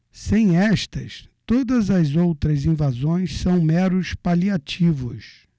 sem estas todas as outras invasões são meros paliativos